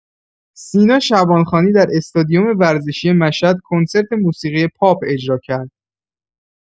سینا شعبانخانی در استادیوم ورزشی مشهد کنسرت موسیقی پاپ اجرا کرد.